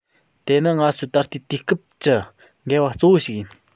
དེ ནི ང ཚོའི ད ལྟའི དུས སྐབས ཀྱི འགལ བ གཙོ བོ ཞིག ཡིན